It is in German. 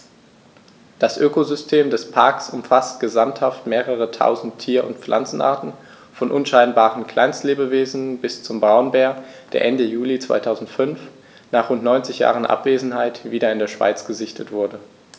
Das Ökosystem des Parks umfasst gesamthaft mehrere tausend Tier- und Pflanzenarten, von unscheinbaren Kleinstlebewesen bis zum Braunbär, der Ende Juli 2005, nach rund 90 Jahren Abwesenheit, wieder in der Schweiz gesichtet wurde.